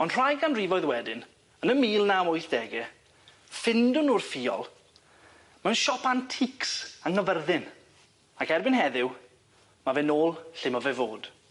Ond rhai ganrifoedd wedyn yn y mil naw wythdege ffindon nw'r ffiol mewn siop antics yng Nghyfyrddin ac erbyn heddiw ma' fe nôl lle ma' fe fod.